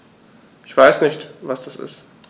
Ich weiß nicht, was das ist.